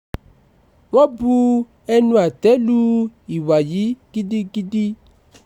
Wọ́n bu ẹnu àtẹ́ lu ìwà yìí gidigidi.